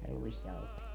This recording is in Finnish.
ja ruisjauhosta